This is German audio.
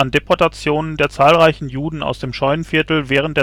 Deportation der zahlreichen Juden aus dem Scheunenviertel während